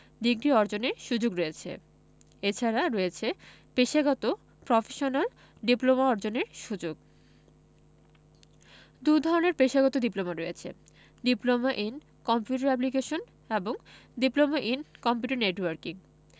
degree অর্জনের সুযোগ রয়েছে এছাড়া রয়েছে পেশাগত প্রফেশনাল ডিপ্লোমা অর্জনের সুযোগ দুধরনের পেশাগত ডিপ্লোমা রয়েছে ডিপ্লোমা ইন কম্পিউটার অ্যাপ্লিকেশন এবং ডিপ্লোমা ইন কম্পিউটার নেটওয়ার্কিং